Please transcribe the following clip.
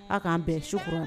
Aw k'an bɛn su kɔnɔ